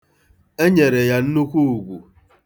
E nyere ya nnukwu ugwu.